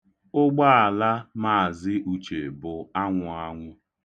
Ugbaala Mz. Uche bụ anwụanwụ.